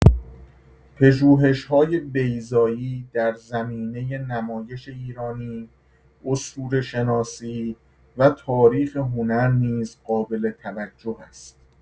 پژوهش‌‌های بیضایی در زمینه نمایش ایرانی، اسطوره‌شناسی و تاریخ هنر نیز قابل‌توجه است.